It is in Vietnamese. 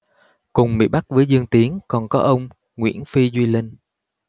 cùng bị bắt với dương tiến còn có ông nguyễn phi duy linh